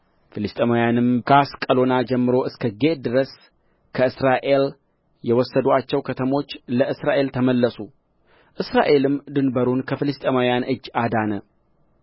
ፍልስጥኤማውያንም ከአስቀሎና ጀምሮ እስከ ጌት ድረስ ከእስራኤል የወሰዱአቸው ከተሞች ለእስራኤል ተመለሱ እስራኤልም ድንበሩን ከፍልስጥኤማውያን እጅ አዳነ